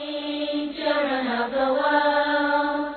San yo mɔ